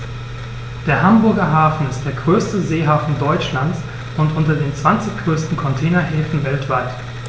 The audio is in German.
Der Hamburger Hafen ist der größte Seehafen Deutschlands und unter den zwanzig größten Containerhäfen weltweit.